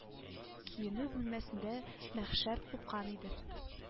Киенү бүлмәсендә мәхшәр купкан иде